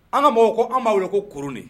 An ka mɔgɔw ko anw ba wele ko kurun de.